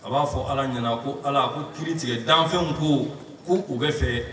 A b'a fɔ ala ɲ ko ala ko ki tigɛ danfɛnw ko ko u bɛɛ fɛ